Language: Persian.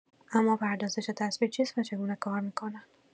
اما پردازش تصویر چیست و چگونه کار می‌کند؟